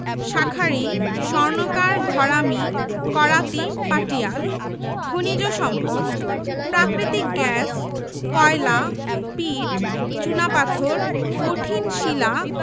bank ও আর্থিক প্রতিষ্ঠানঃ রাষ্ট্রীয় কেন্দ্রীয় ব্যাংক ১টি বাংলাদেশ ব্যাংক ৪৮টি বাণিজ্যিক ব্যাংক এর মধ্যে ৪টি রাষ্ট্রীয় মালিকানায় ৩১টি দেশী বেসরকারি ব্যাংক